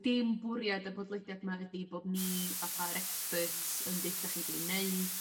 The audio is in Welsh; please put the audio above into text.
dim bwriad y podlediad 'ma ydi bod ni fatha'r experts yn deuthach chi be' i neu'